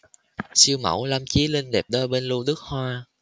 siêu mẫu lâm chí linh đẹp đôi bên lưu đức hoa